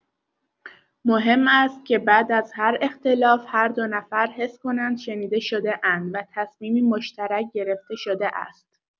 مهم است که بعد از هر اختلاف، هر دو نفر حس کنند شنیده شده‌اند و تصمیمی مشترک گرفته شده است.